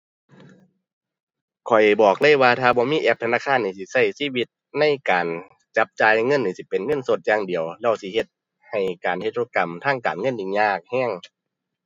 ข้อยบอกเลยว่าถ้าบ่มีแอปธนาคารเนี่ยสิใช้ชีวิตในการจับจ่ายเงินนี้สิเป็นเงินสดอย่างเดียวอะ แล้วสิเฮ็ดให้การเฮ็ดธุรกรรมทางการเงินนี้ยากใช้